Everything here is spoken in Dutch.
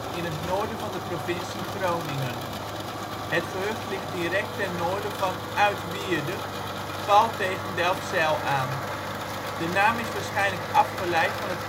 in het noorden van de provincie Groningen. Het gehucht ligt direct ten noorden van Uitwierde, pal tegen Delfzijl aan. De naam is waarschijnlijk afgeleid van het